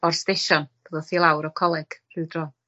o'r stesion ddoth i lawr o coleg rhwy dro.